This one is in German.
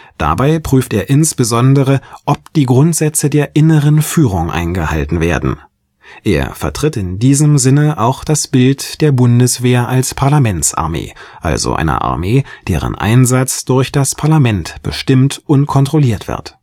Dabei prüft er insbesondere, ob die Grundsätze der „ Inneren Führung “eingehalten werden. Er vertritt in diesem Sinne auch das Bild der Bundeswehr als Parlamentsarmee, also einer Armee, deren Einsatz durch das Parlament bestimmt und kontrolliert wird